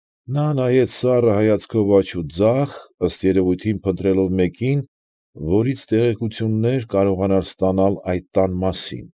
Նա նայեց սառը հայացքով աջ ու ձախ, ըստ երևույթին, փնտրելով մեկին, որից տեղեկություններ կարողանար ստանալ այդ տան մասին։